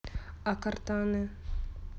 а кортаны